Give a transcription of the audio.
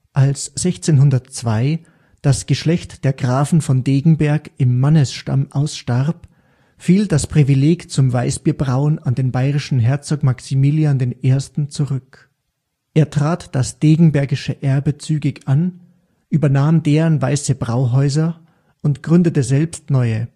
Als 1602 das Geschlecht der Grafen von Degenberg im Mannesstamm ausstarb, fiel das Privileg zum Weißbierbrauen an den bayerischen Herzog Maximilian I. zurück. Er trat das degenbergische Erbe zügig an, übernahm deren Weiße Brauhäuser und gründete selbst neue